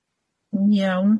Iawn.